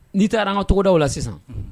N'i taara an ka tɔgɔdaw la sisan